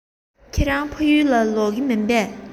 ཁྱེད རང ཕ ཡུལ ལ ལོག གི མིན པས